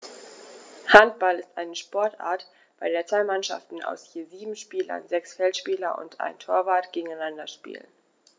Handball ist eine Sportart, bei der zwei Mannschaften aus je sieben Spielern (sechs Feldspieler und ein Torwart) gegeneinander spielen.